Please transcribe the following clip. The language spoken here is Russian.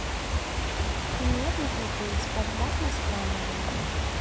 нет не хоккей спартак москва нужен